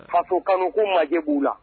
Faso kanukunu majɛ u la